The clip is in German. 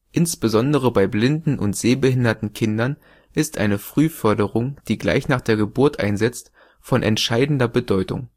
Insbesondere bei blinden und sehbehinderten Kindern ist eine Frühförderung, die gleich nach der Geburt einsetzt, von entscheidender Bedeutung